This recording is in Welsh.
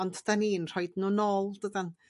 ond 'dan i'n rhoid nhw nôl dydan?